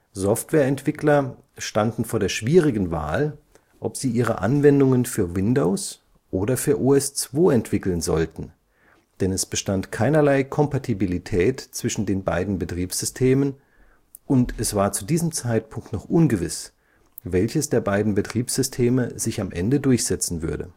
Softwareentwickler standen vor der schwierigen Wahl, ob sie ihre Anwendungen für Windows oder für OS/2 entwickeln sollten, denn es bestand keinerlei Kompatibilität zwischen den beiden Betriebssystemen und es war zu diesem Zeitpunkt noch ungewiss, welches der beiden Betriebssysteme sich am Ende durchsetzen würde